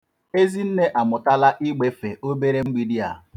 Ezinne amụtala igbefe obere mgbidi a.